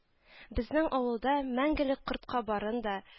Безнең авылда мәңгелек кортка барын да